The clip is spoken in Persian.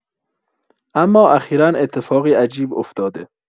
اما اخیرا اتفاقی عجیب افتاده